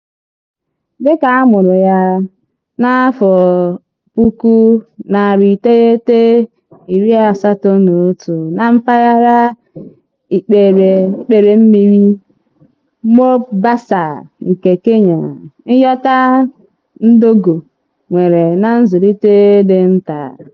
Dịka a mụrụ ya na 1981 na mpaghara Ikperemmirir Mombasa nke Kenya, Nyota Ndogo nwere na nzụlite dị nta.